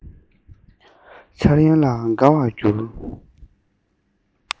འཆར ཡན ལ དགའ བར གྱུར